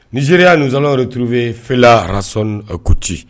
Nieriya san yɛrɛ de tuurubi fɛla rasonon kuti